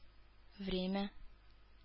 Время